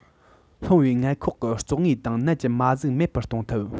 ལྷུང བའི མངལ ཁོག གི བཙོག དངོས དང ནད ཀྱི མ གཟུགས མེད པར གཏོང ཐུབ